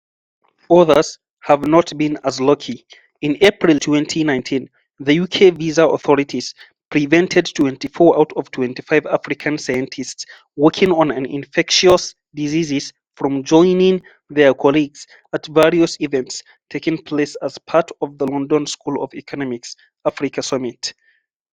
Others have not been as lucky. In April 2019, the UK visa authorities prevented 24 out of 25 African scientists working on infectious diseases from joining their colleagues at various events taking place as part of the London School of Economics Africa Summit.